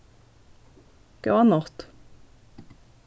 góða nátt